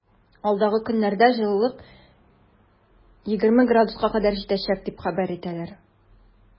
Алдагы көннәрдә җылылык 20 градуска кадәр җитәчәк дип хәбәр итәләр.